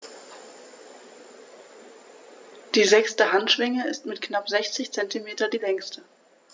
Die sechste Handschwinge ist mit knapp 60 cm die längste.